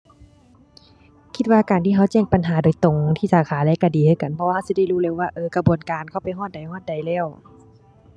คิดว่าการที่เราแจ้งปัญหาโดยตรงที่สาขาเลยเราดีคือกัน เพราะว่าเราสิได้รู้เลยว่า เออ กระบวนการเขาไปฮอดใดฮอดใดแล้ว